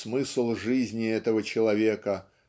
смысл жизни этого человека